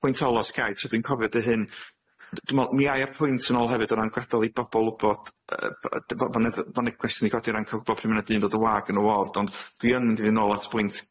Pwynt ola os ga i, tra dwi'n cofio deu hyn, d- dwi me'wl mi a' i â'r pwynt yn ôl hefyd o ran gadal i bobol wbod yy b- yy dy- bo- bo' ne' dd- bo' ne' gwestiwn 'di godi ran ca'l gwbod pryd ma' ne' dŷ 'n dod yn wag yn y ward, ond dwi yn mynd i fynd yn ôl at bwynt